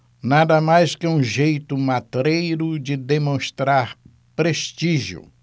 nada mais que um jeito matreiro de demonstrar prestígio